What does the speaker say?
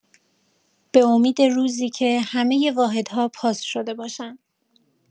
به امید روزی که همه واحدها پاس شده باشن